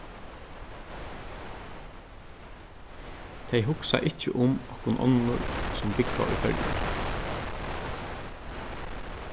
tey hugsa ikki um okkum onnur sum búgva í føroyum